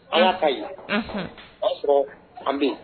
Ala kaɲi, unhun, o y'a sɔrɔ an bɛ yen.